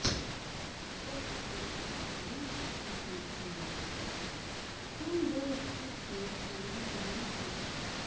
двадцать третье февраля пахнет снегом там дай из пушки не стрелял не был